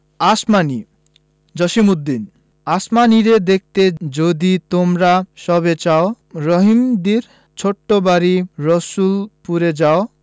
আসমানী জসিমউদ্দিন আসমানীরে দেখতে যদি তোমরা সবে চাও রহিমদ্দির ছোট্ট বাড়ি রসুলপুরে যাও